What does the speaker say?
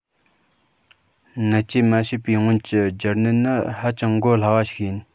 ནད བཅོས མ བྱས པའི སྔོན གྱི སྦྱར ནད ནི ཧ ཅང འགོ སླ བ ཞིག ཡིན